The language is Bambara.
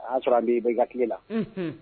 A y'a sɔrɔ an b' bɛ jatigitigɛ la